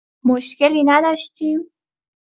مشکلی نداشتیم؟